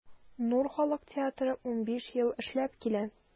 “нур” халык театры 15 ел эшләп килә.